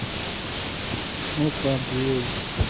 мы к вам приедем